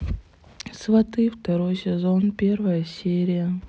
сваты второй сезон первая серия